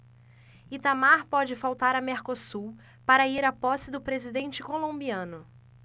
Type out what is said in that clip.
itamar pode faltar a mercosul para ir à posse do presidente colombiano